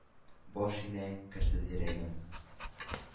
Баш имәгән керсез йөрәгем.